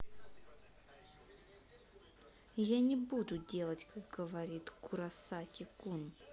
я не буду делать как говорит куросаки кун